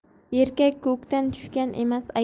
erkak ko'kdan tushgan